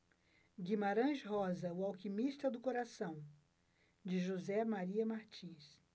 guimarães rosa o alquimista do coração de josé maria martins